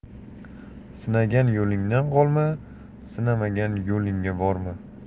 sinagan yo'lingdan qolma sinamagan yo'lingga borma